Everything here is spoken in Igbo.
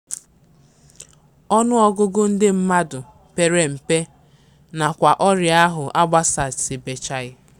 PG: Onu ogugu ndi mmadu pere mpe nakwa oria ahụ agbasasibechaghi.